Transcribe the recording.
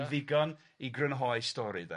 yn ddigon i grynhoi stori de.